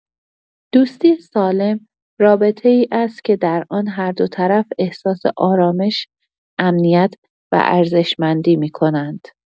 دوستی سالم رابطه‌ای است که در آن هر دو طرف احساس آرامش، امنیت و ارزشمندی می‌کنند.